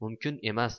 mumkin emas